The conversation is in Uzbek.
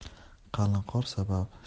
qalin qor sabab